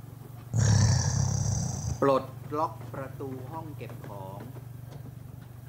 ปลดล็อกประตูห้องเก็บของ